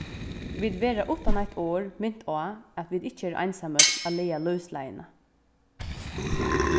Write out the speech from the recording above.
vit verða uttan eitt orð mint á at vit eru ikki einsamøll at laga lívsleiðina